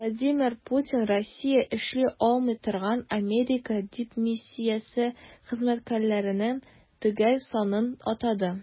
Владимир Путин Россиядә эшли алмый торган Америка дипмиссиясе хезмәткәрләренең төгәл санын атады.